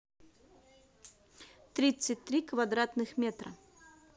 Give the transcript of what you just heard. тридцать три квадратных метра